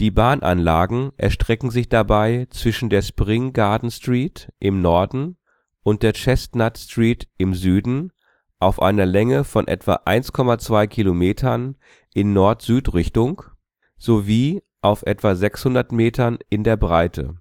Bahnanlagen erstrecken sich dabei zwischen der Spring Garden Street im Norden und der Chestnut Street im Süden auf eine Länge von etwa 1,2 Kilometern in Nord-Süd-Richtung sowie auf etwa 600 Metern in der Breite